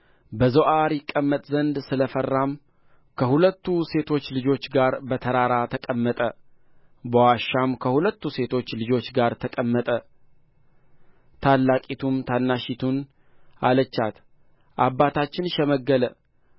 በዞዓር ይቀመጥ ዘንድ ስለ ፈራም ከሁለቱ ሴቶች ልጆቹ ጋር በተራራ ተቀመጠ በዋሻም ከሁለቱ ሴቶች ልጆቹ ጋር ተቀመጠ ታላቂቱም ታናሺቱን አለቻት አባታችን ሸመገለ